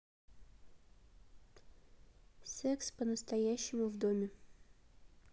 секс по настоящему в доме